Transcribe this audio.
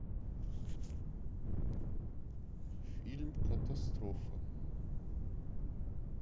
фильм катастрофа